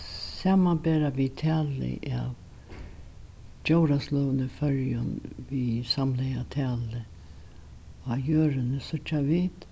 samanbera vit talið av djórasløgum í føroyum við samlaða talið á jørðini síggja vit